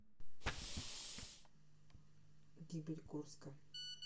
гибель курска